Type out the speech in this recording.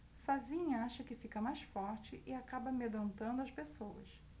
sozinha acha que fica mais forte e acaba amedrontando as pessoas